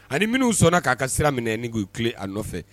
Ani minnu sɔnna k'a ka sira minɛ ni guti a nɔfɛ